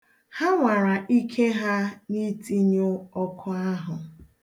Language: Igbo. Ha nwara ike ha n'itinyụ ọkụ ahụ.